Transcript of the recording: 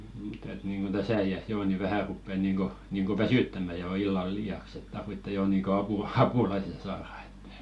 mutta että niin kuin tässä iässä jo niin vähän rupeaa niin kuin niin kuin väsyttämään jo illalla jaksa että tarvitsee jo niin kuin - apulaisen saada että